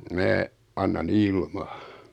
minä annan ilman